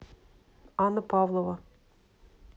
анна павлова